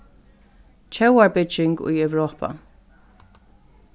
tjóðarbygging í europa